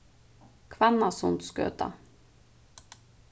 hvannasundsgøta